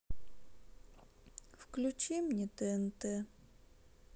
включи мне тнт